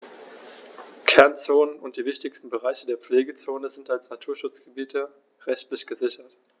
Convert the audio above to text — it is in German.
Kernzonen und die wichtigsten Bereiche der Pflegezone sind als Naturschutzgebiete rechtlich gesichert.